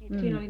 mm